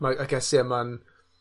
mae I guess ie ma'n